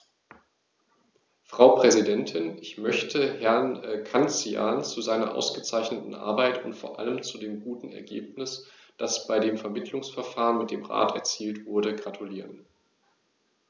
Frau Präsidentin, ich möchte Herrn Cancian zu seiner ausgezeichneten Arbeit und vor allem zu dem guten Ergebnis, das bei dem Vermittlungsverfahren mit dem Rat erzielt wurde, gratulieren.